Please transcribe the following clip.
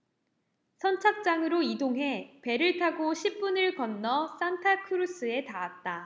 선착장으로 이동해 배를 타고 십 분을 건너 산타크루스에 닿았다